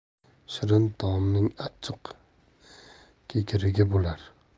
shirin taomning achchiq kekirigi bo'lar